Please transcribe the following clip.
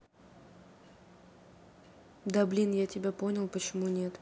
да блин я тебя понял почему нет